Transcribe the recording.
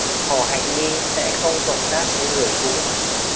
hồ hạnh nhi sẽ không cộng tác với người cũ